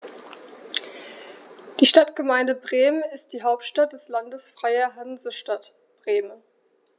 Die Stadtgemeinde Bremen ist die Hauptstadt des Landes Freie Hansestadt Bremen.